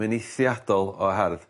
Mae'n eithriadol o hardd.